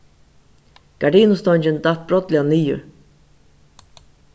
gardinustongin datt brádliga niður